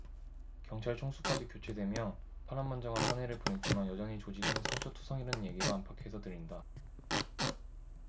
경찰 총수까지 교체되며 파란만장한 한 해를 보냈지만 여전히 조직은 상처 투성이라는 얘기가 안팎에서 들린다